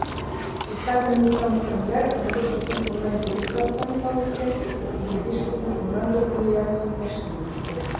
Чиста комиссион керемнәр 14,7 %-ка үсте, 55,4 млрд сум тәшкил итте.